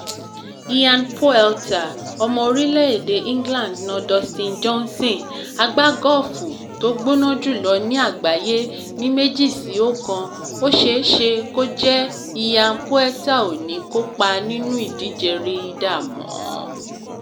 Ian Poulter, ọmọ orílẹ̀-èdè England na Dustin Johnson, agbágọ́ọ̀fù tó gbóná jùlọ ní àgbáyé ní 2 sí 1. Ó ṣeéṣe kó jẹ́ Ian Poulter ò ní kópa nínú ìdíje Ryder mọ́.